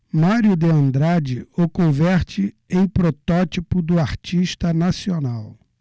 mário de andrade o converte em protótipo do artista nacional